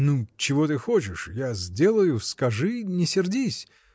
— Ну чего ты хочешь — я всё сделаю, скажи, не сердись!